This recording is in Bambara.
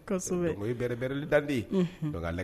Kosɛbɛ, donc o ye bɛrɛ bɛrɛli dan de ye.